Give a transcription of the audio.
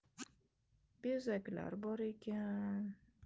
bezaklar bor ekan